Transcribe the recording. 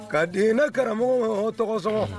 Ka di ne karamɔgɔ o tɔgɔsɔn